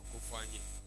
A ko faji